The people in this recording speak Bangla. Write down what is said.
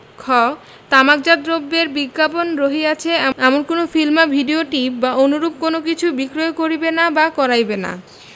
খ তামাকজাত দ্রব্যের বিজ্ঞাপন রহিয়অছে এমন কোন ফিল্ম বা ভিড়িও টিপ বা অনুরূপ অন্য কিছু বিক্রয় করিবে না বা করাইবে না